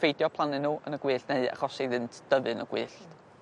peidio plannu n'w yn y gwyllt neu achosi iddynt dyfu yn y gwyllt. Hmm.